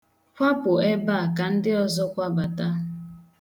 Kwapụ ebe a ka ndị ọzọ kwabata.